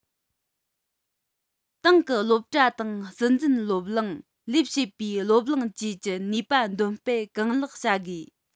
ཏང གི སློབ གྲྭ དང སྲིད འཛིན སློབ གླིང ལས བྱེད པའི སློབ གླིང བཅས ཀྱི ནུས པ འདོན སྤེལ གང ལེགས བྱ དགོས